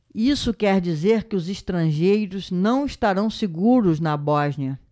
isso quer dizer que os estrangeiros não estarão seguros na bósnia